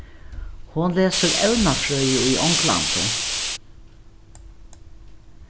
hon lesur evnafrøði í onglandi